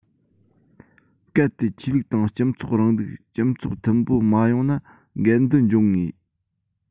གལ ཏེ ཆོས ལུགས དང སྤྱི ཚོགས རིང ལུགས སྤྱི ཚོགས མཐུན པོ མ ཡོང ན འགལ འདུ འབྱུང ངེས